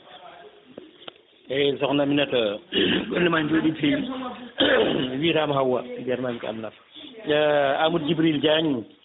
eyyi sokhna Aminata gollema jooɗi peewi mi wiitama Hawwa mbiyat mami ko Aminata Amadou Djibril Diagne